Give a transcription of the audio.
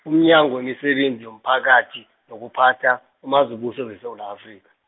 umnyango wemisebenzi yomphakathi nokuphatha uMazibuse weSewula Afrika.